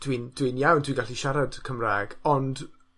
dwi'n, dwi'n iawn, dwi'n gallu siarad Cymrag, ond